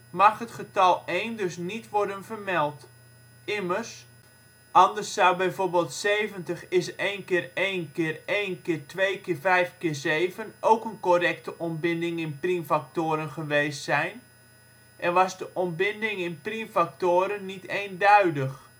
mag het getal 1 dus niet worden vermeld; immers, anders zou bijvoorbeeld 70 = 1 × 1 × 1 × 2 × 5 × 7 ook een correcte ontbinding in priemfactoren geweest zijn, en was de ontbinding in priemfactoren niet eenduidig